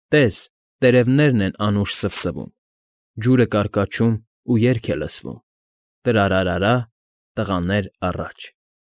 Տես, տերևներն են Անուշ սվսվում, Ջուրը կարկաչում, Ու երգ է լսվում՝ Տրա֊րա֊րա֊րա, Տղաներ, առաջ։